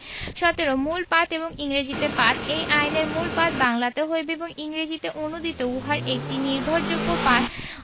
১৭ মূল পাঠ এবং ইংরেজীতে পাঠঃ এই আইনের মূল পাঠ বাংলাতে হইবে এবং ইংরেজীতে অনূদিত উহার একটি নির্ভরযোগ্য পাঠ